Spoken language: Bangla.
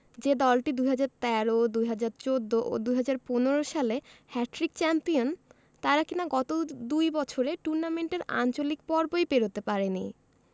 যে দলটি ২০১৩ ২০১৪ ও ২০১৫ সালে হ্যাটট্রিক চ্যাম্পিয়ন তারা কিনা গত দুই বছরে টুর্নামেন্টের আঞ্চলিক পর্বই পেরোতে পারেনি